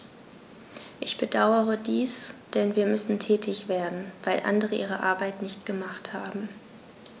Ich bedauere dies, denn wir müssen tätig werden, weil andere ihre Arbeit nicht gemacht haben.